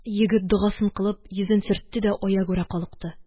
Егет, догасын кылып, йөзен сөртте дә аягүрә калыкты